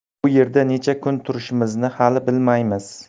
bu yerda necha kun turishimizni hali bilmaymiz